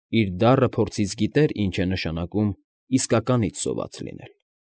Իր դառը փորձից գիտեր ինչ է նշանակում իսկականից սոված լինել։